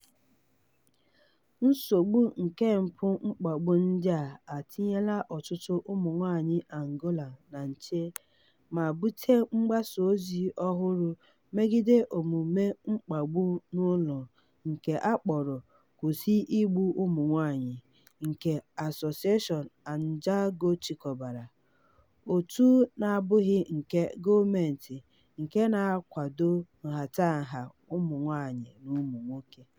Nsogbu nke mpụ mkpagbu ndị a etinyeela ọtụtụ ụmụ nwaanyị Angola na nche ma bute mgbasa ozi ọhụrụ megide omume mkpagbu n'ụlọ nke a kpọrọ "Kwụsị Igbu Ụmụ Nwaanyị," nke Association Ondjango chịkọbara, òtù na-abụghị nke gọọmentị nke na-akwado nhatanha ụmụ nwaanyị na ụmụ nwoke.